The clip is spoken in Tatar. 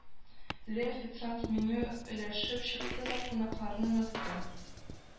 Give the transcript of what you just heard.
Ле официант меню өләшеп чыкты да кунакларны онытты